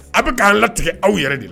A bɛ' latigɛ aw yɛrɛ de la